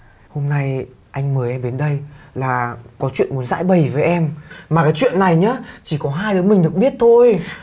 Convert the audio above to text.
hôm nay anh mời em đến đây là có chuyện muốn giãi bày với em mà cái chuyện này nhá chỉ có hai đứa mình được biết thôi